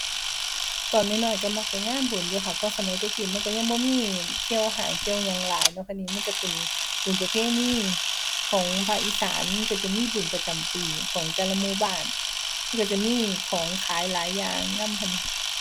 ตอนน้อยน้อยก็มักไปงานบุญอยู่ค่ะ เพราะสมัยแต่กี้มันก็ยังบ่มีเที่ยวห้างเที่ยวหยังหลายเนาะค่ะ นี่มันก็เป็นบุญประเพณีของภาคอีสาน ก็จะมีบุญประจำปีของแต่ละหมู่บ้าน มันก็จะมีของขายหลายอย่างนำหั้นหนิ